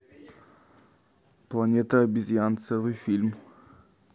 планета обезьян целый фильм